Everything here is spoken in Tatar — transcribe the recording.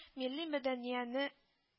Милли мәдәнияне